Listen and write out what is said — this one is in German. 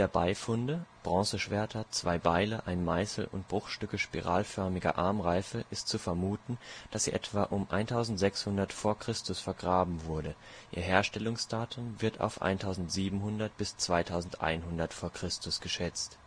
Beifunde (Bronzeschwerter, zwei Beile, ein Meißel und Bruchstücke spiralförmiger Armreife) ist zu vermuten, dass sie etwa um 1600 v. Chr. vergraben wurde, ihr Herstellungsdatum wird auf 1700 bis 2100 v. Chr. geschätzt